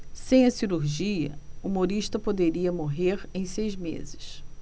sem a cirurgia humorista poderia morrer em seis meses